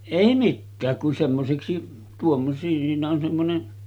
ei mikään kun semmoiseksi - siinä on semmoinen